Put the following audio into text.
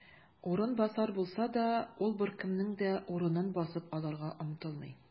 "урынбасар" булса да, ул беркемнең дә урынын басып алырга омтылмый.